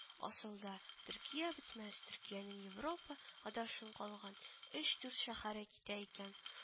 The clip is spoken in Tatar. Асылда, торкия бетмәс, төркиянең европада адашын калган өч-дүрт шәһәре китә икән